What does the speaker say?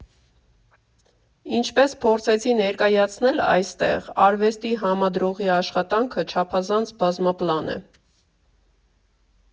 Ինչպես փորձեցի ներկայացնել այստեղ, արվեստի համադրողի աշխատանքը չափազանց բազմապլան է։